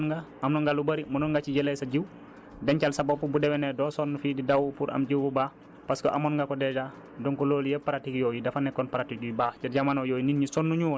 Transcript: te loolu tamit jafe-jafe la te yow amaloon nga sa bopp solution bayoon nga amoon nga lu bëri munoon nga ci jëlee jëlee sa jiwu dencal sa bopp pour bu déwénee doo sonn fii di daw pour am jiwu bu baax parce que amoon nga ko dèjà